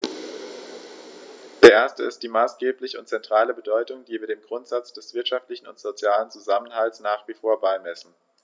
Der erste ist die maßgebliche und zentrale Bedeutung, die wir dem Grundsatz des wirtschaftlichen und sozialen Zusammenhalts nach wie vor beimessen.